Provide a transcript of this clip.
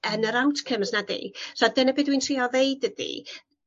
yn yr outcomes nadi? So dyna be' dwi'n trial ddeud ydi